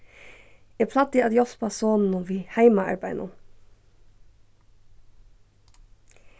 eg plagdi at hjálpa soninum við heimaarbeiðinum